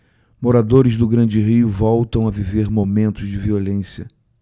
moradores do grande rio voltam a viver momentos de violência